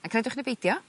A credwch neu beidio